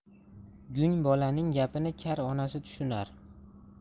gung bolaning gapini kar onasi tushunar